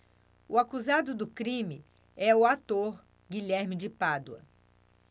o acusado do crime é o ator guilherme de pádua